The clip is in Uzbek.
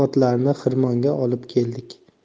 otlarni xirmonga olib keldik